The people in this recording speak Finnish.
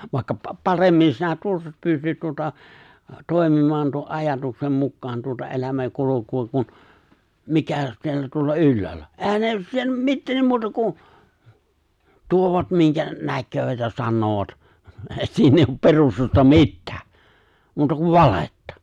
vaikka - paremmin sinä tuossa pystyt tuota toimimaan tuon ajatuksen mukaan tuota elämänkulkua kuin mikä siellä tuolla ylhäällä eihän ne - mitä ne muuta kuin tuovat minkä näkevät ja sanovat ei siinä ei ole perustusta mitään muuta kuin valhetta